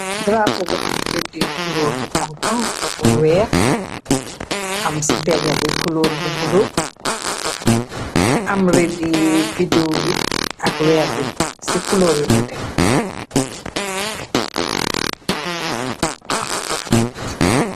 drapp bu am reddi culóor bu hongon bu weex am ci pega bi culoor bu bulo am reddi bidew bi ak weer bi ci culóor yu nete.